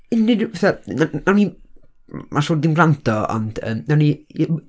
Unrhyw- fatha- na- wnawn ni'm, ma' siŵr, ddim gwrando, ond, yym, nawn ni...